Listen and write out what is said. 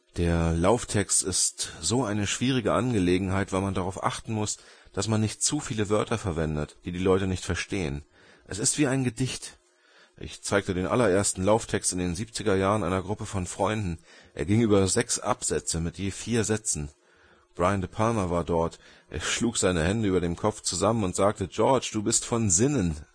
Der Lauftext ist so eine schwierige Angelegenheit, weil man darauf achten muss, dass man nicht zu viele Wörter verwendet, die die Leute nicht verstehen. Er ist wie ein Gedicht. Ich zeigte den allerersten Lauftext in den 70er Jahren einer Gruppe von Freunden. Er ging über sechs Absätze mit je vier Sätzen. Brian De Palma war dort, und er schlug seine Hände über dem Kopf zusammen und sagte: ‚ George, du bist von Sinnen